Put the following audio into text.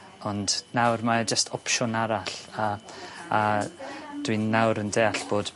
Ond nawr mae e jyst opsiwn arall a a dwi'n nawr yn deall bod